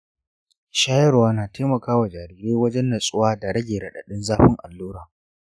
shayarwa na taimaka wa jarirai wajan natsuwa da rage raɗaɗin zafin allura.